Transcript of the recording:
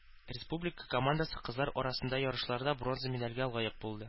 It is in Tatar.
Республика командасы кызлар арасында ярышларда бронза медальгә лаек булды.